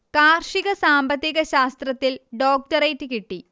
കാർഷിക സാമ്പത്തിക ശാസ്ത്രത്തിൽ ഡോക്ടറേറ്റ് കിട്ടി